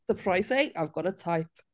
Surprising, I've got a type.